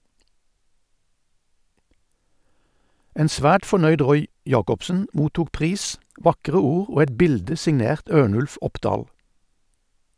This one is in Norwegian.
En svært fornøyd Roy Jacobsen mottok pris, vakre ord og et bilde signert Ørnulf Opdahl.